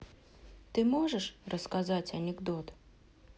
ты можешь рассказать анекдот